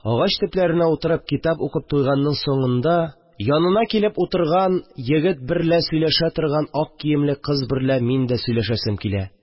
Агач төпләренә утырып китап укып туйганның соңында, янына килеп утырган егет берлә сөйләшә торган ак киемле кыз берлә мин дә сөйләшәсем килә